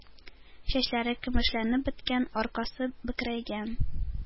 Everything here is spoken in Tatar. Чәчләре көмешләнеп беткән, аркасы бөкрәйгән,